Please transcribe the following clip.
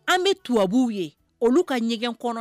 An bɛ tubabubuw ye olu ka ɲɛgɛn kɔnɔ